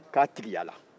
k'a tigiyara